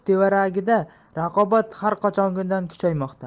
tevaragida raqobat har qachongidan kuchaymoqda